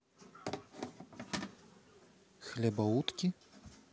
хлебо утки